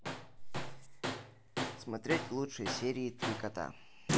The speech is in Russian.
смотреть лучшие серии три кота